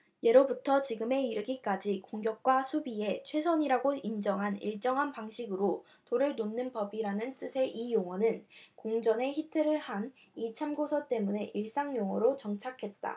예로부터 지금에 이르기까지 공격과 수비에 최선이라고 인정한 일정한 방식으로 돌을 놓는 법이라는 뜻의 이 용어는 공전의 히트를 한 이 참고서 때문에 일상용어로 정착했다